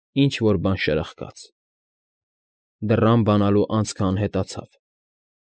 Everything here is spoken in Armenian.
Ինչ֊որ բան շրխկաց։ Դռան բանալու անցքն անհետացավ։